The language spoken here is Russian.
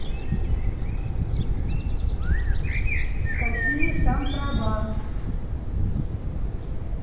какие там права